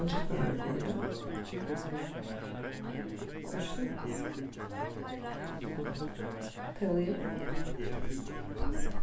mann trýstir bara á record ha var tað ikki so tá eg var liðug